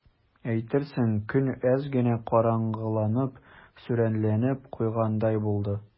Әйтерсең, көн әз генә караңгыланып, сүрәнләнеп куйгандай булды.